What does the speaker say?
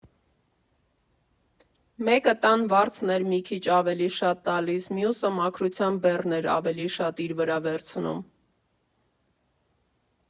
Մեկը տան վարձն էր մի քիչ ավելի շատ տալիս, մյուսը մաքրության բեռն էր ավելի շատ իր վրա վերցնում։